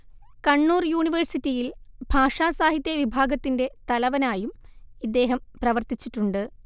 കണ്ണൂർ യൂണിവേയ്സിറ്റിയിൽ ഭാഷാ സാഹിത്യവിഭാഗത്തിന്റെ തലവനായും ഇദ്ദേഹം പ്രവർത്തിച്ചിട്ടുണ്ട്